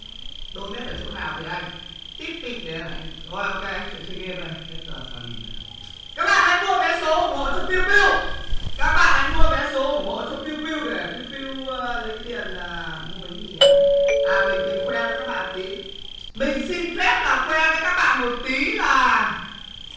đôn nết ở chỗ nào thế anh tít bịt nên anh rồi ô kê anh sẽ chơi ghêm đây hết giờ xàm lìn rồi các bạn hãy mua vé số ủng hộ cho piu piu các bạn hãy mua vé số ủng hộ cho piu piu để piu piu lấy tiền à mua bánh mì ăn à mình mình khoe với các bạn một tí mình xin phép là khoe với các bạn một tí là